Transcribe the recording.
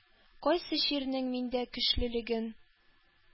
Кайсы чирнең миндә көчлелеген